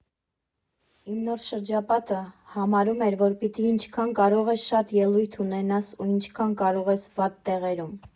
Իմ նոր շրջապատը համարում էր, որ պիտի ինչքան կարող ես շատ ելույթ ունենաս ու ինչքան կարող ես վատ տեղերում։